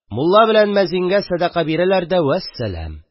Мулла белән мәзингә садака бирәләр дә – вәссәләм!